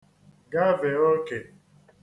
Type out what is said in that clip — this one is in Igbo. gavē ōkè